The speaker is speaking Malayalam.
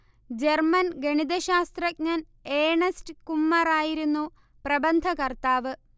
ജർമൻ ഗണിതശാസ്ത്രജ്ഞൻ ഏണസ്റ്റ് കുമ്മറായിരുന്നു പ്രബന്ധകർത്താവ്